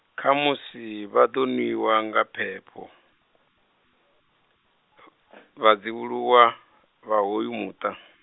kha musi vha ḓo nwiwa nga phepho, vhadzivhuluwa, vha hoyu muṱa.